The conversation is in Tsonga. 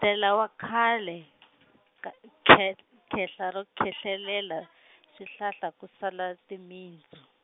ntela wa khale, kha- kheh- khehla ro khehlelela , swihlahla ku sala timintsu.